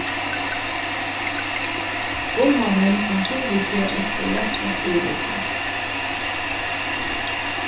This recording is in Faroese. gumma mín kom fyri seg eftir hjartaskurðviðgerð